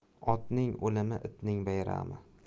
otning o'limi itning bayrami